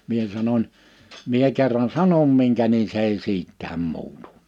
minä sanoin minä kerran sanon minkä niin se ei siitäkään muutu